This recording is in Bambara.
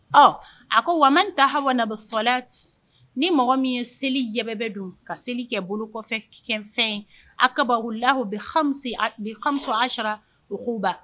Ɔ a ko nin mɔgɔ min ye seli yɛbɛbɛ dun ka seli kɛ bolo kɔfɛ fɛn ye